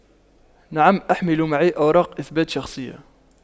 نعم احمل معي أوراق اثبات شخصية